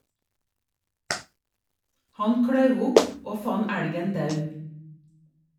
Han klauv opp og fann elgen daud.